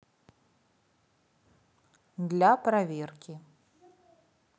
для проверки